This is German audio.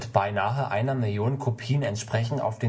beinahe einer Million Kopien entsprechend auf